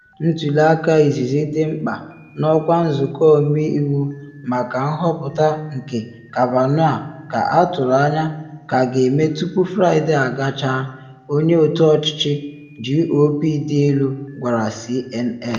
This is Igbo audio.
Ntuli aka izizi dị mkpa n’ọkwa Nzụkọ Ọmeiwu maka nhọpụta nke Kavanaugh ka atụrụ anya ga-eme tupu Fraịde gachaa, onye otu ọchịchị GOP dị elu gwara CNN.